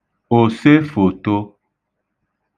òsefòtō